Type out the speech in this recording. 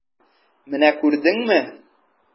Менә күрдеңме?